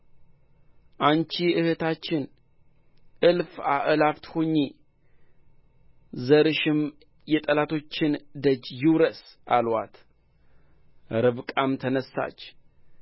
አንቺ እኅታችን እልፍ አእላፋት ሁኚ ዘርሽም የጠላቶችን ደጅ ይውረስ አሉአት ርብቃም ተነሣች